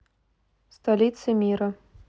столицы мира